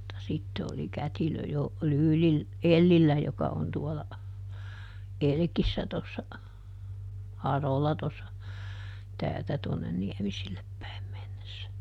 mutta sitten oli kätilö jo - Ellillä joka on tuolla Elkissä tuossa Harola tuossa täältä tuonne Niemiselle päin mennessä